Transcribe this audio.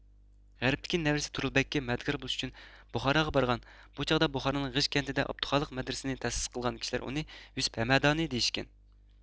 غەربتىكى نەۋرىسى تۇرۇلبەگكە مەدەتكار بولۇش ئۈچۈن بۇخاراغا بارغان بۇ چاغدا بۇخارانىڭ غىژ كەنتىدە ئابدۇخالىق مەدرىسىنى تەسىس قىلغان كىشىلەر ئۇنى يۈسۈپ ھەمەدانى دېيىشكەن